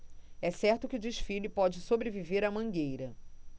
é certo que o desfile pode sobreviver à mangueira